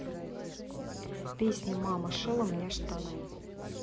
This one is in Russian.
песня мама шила мне штаны